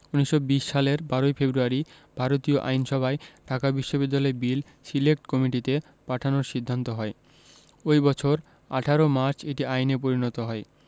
১৯২০ সালের ১২ ফেব্রুয়ারি ভারতীয় আইনসভায় ঢাকা বিশ্ববিদ্যালয় বিল সিলেক্ট কমিটিতে পাঠানোর সিদ্ধান্ত হয় ওই বছর ১৮ মার্চ এটি আইনে পরিণত হয়